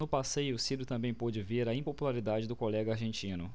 no passeio ciro também pôde ver a impopularidade do colega argentino